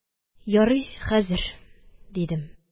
– ярый, хәзер, – дидем